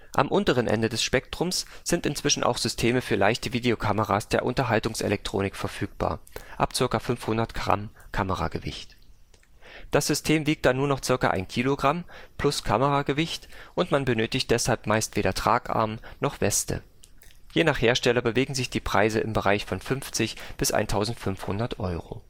Am unteren Ende des Spektrums sind inzwischen auch Systeme für leichte Videokameras der Unterhaltungselektronik verfügbar (ab ca. 500 Gramm Kameragewicht). Das System wiegt dann nur noch ca. 1 Kilogramm (plus Kameragewicht), und man benötigt deshalb meist weder Tragarm noch Weste. Je nach Hersteller bewegen sich die Preise im Bereich von 50 bis 1500 Euro